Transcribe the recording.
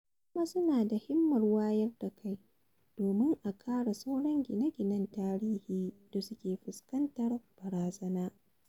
Kuma suna da himmar wayar da kai domin a kare sauran gine-gine tarihi da suke fuskantar barazana.